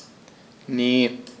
Ne.